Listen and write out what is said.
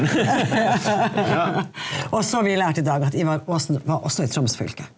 og så har vi lært i dag at Ivar Aasen var også i Troms fylke.